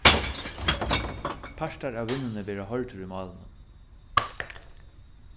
partar av vinnuni verða hoyrdir í málinum